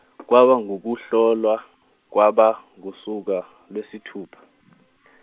kwaba ngukuhlolwa kwaba ngusuku lwesithupha.